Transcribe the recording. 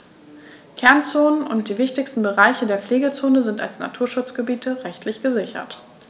Kernzonen und die wichtigsten Bereiche der Pflegezone sind als Naturschutzgebiete rechtlich gesichert.